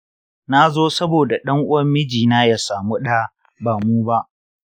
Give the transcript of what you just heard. na zo saboda ɗan uwan mijina ya samu ɗa ba mu ba.